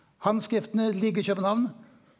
handskrifta ligg i København.